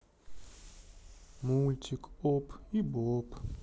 мультик оп и боб